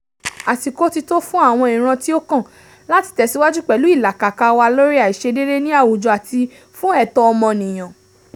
Àsìkò ti tó fún àwọn ìran tí ó kàn láti tẹ̀síwájú pẹ̀lú ìlàkàkà wa lórí àìṣedéédé ní àwùjọ àti fún ẹ̀tọ́ ọmọnìyàn.